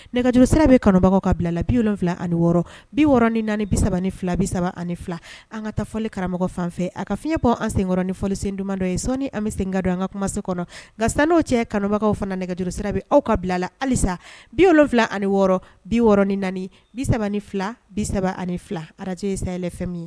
Nɛgɛj sira bɛ kanubagaw ka bila la bi wolonwula ani wɔɔrɔ bi wɔɔrɔ ni bi3 ani fila bi3 ani fila an ka taa fɔli karamɔgɔ fan a ka fiɲɛ bɔ an senɔrɔn ni fɔsen dumandɔ ye sɔni an bɛ senkadon an ka kumase kɔnɔ nka san' cɛ kanubagaw fana nɛgɛjsira bɛ aw ka bilala halisa bi wolonwula ani wɔɔrɔ bi wɔɔrɔɔrɔn ni bi3 ni fila bi3 ani fila araj ye sayay fɛn min ye